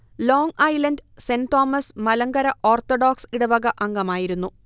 long Island സെന്റ് Thomas Malankara Orthodox ഇടവക അംഗമായിരുന്നു